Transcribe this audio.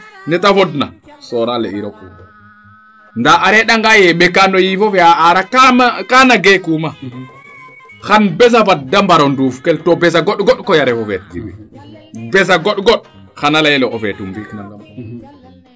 neete fodna soraale iro poudre ndaa a reend angaa ye mbeka no yifoof fee a arakaana gekuma xam bes a fad de mbaro nduuf kel to besa gond gond koy a refo feet Djiby besa gond gond xana leyele o feet mba nangam